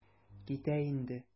Китә инде.